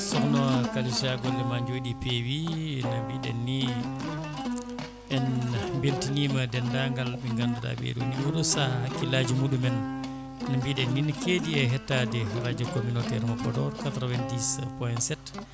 sokhna Kalisa gollema jooɗi peewi no mbiɗen ni en beltanima dendagal ɓe ganduɗa ɓeeɗo ni oɗo saaha hakkillaji muɗumen no mbiɗen ni ne ketti e hettade radio communautaire mo Podor 90 POINT 7